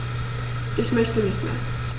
Ich möchte nicht mehr.